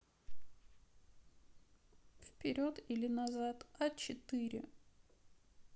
вперед или назад а четыре